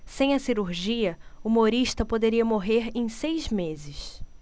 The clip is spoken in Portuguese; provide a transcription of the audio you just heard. sem a cirurgia humorista poderia morrer em seis meses